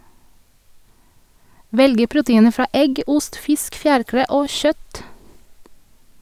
Velg proteiner fra egg, ost, fisk, fjærkre og kjøtt.